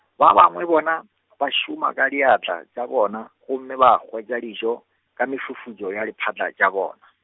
ba bangwe bona , ba šoma ka diatla, tša bona, gomme ba hwetša dijo, ka mefufutšo ya diphatla tša bona.